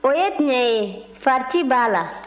o ye tiɲɛ ye farati b'a la